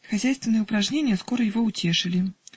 Хозяйственные упражнения скоро его утешили.